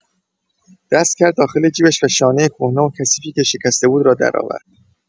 دست کرد داخل جیبش و شانۀ کهنه و کثیفی که شکسته بود را درآورد.